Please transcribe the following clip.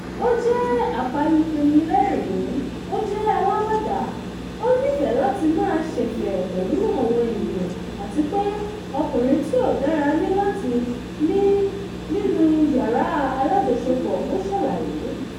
"Ó jẹ́ apanilẹ́rìn ín, ó jẹ́ aláwàdà, ó nífẹ́ láti máa ṣ’ẹ̀fẹ̀ pẹ̀lú àwọn ènìyàn, àti pé ọkùnrin tí ó dára ni látin í nínú yàrá alájọṣepọ̀,” ó ṣàlàyé.